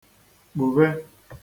kpùve